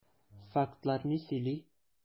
Фактлар ни сөйли?